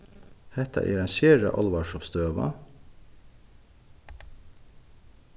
hetta er ein sera álvarsom støða